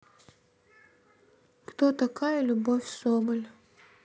кто такая любовь соболь